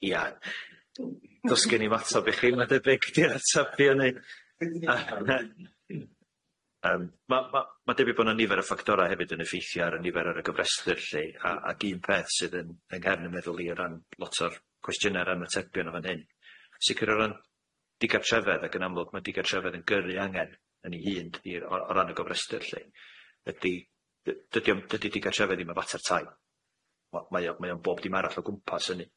Ia d- d- dos gen i'm atab i chi. Mae'n debyg di'r atab i hynny, yym ma- ma'n debyg bod na nifer o ffactora ar y nifer ar y gofrestyr lly. Ac un peth sy yn yn nghefn fy meddwl i lot o'r cwestiynna a'r atebion yn fan hyn, sicr o ran digartrefedd, ac yn amlwg ma digartrefedd yn gyrru angen yn i hyn i yn ol y gofrestyr lly, ydi dydio'm dydi digartrefedd ddim yn fater tai, mae o'n bob dim arall o gwpas hynny.